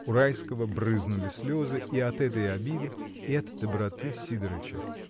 У Райского брызнули слезы и от этой обиды, и от доброты Сидорыча.